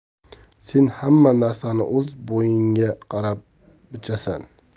sen hamma narsani o'z bo'yingga qarab bichasan